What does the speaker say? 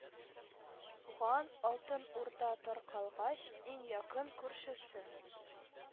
Ган, алтын урда таркалгач, иң якын күршесе